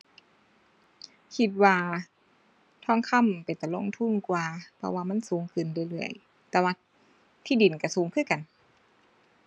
คิดว่าทองคำเป็นตาลงทุนกว่า เพราะว่ามันสูงขึ้นเรื่อยเรื่อย แต่ว่าที่ดินก็สูงคือกัน